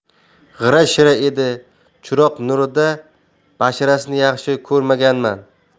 g'ira shira edi chiroq nurida basharasini yaxshi ko'rmaganman